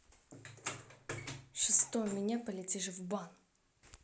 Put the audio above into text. шестой у меня полетишь в бан